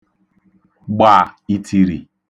gba ìtìrì